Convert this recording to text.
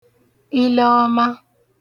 ile ọma